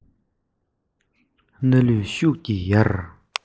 སྣ ལུད ཤུགས ཀྱིས ཡར